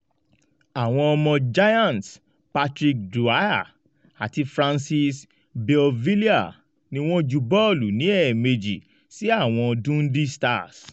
Àwọn ọmọ Giants, Patrick Dwyer àti Francis Beauvillier, ni wọ́n ju bọ́ọ̀lù ní èẹ̀mejì sí àwọ̀n Dundee Stars.